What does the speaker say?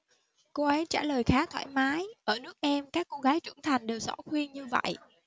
cô ấy trả lời khá thoải mái ở nước em các cô gái trưởng thành đều xỏ khuyên như vậy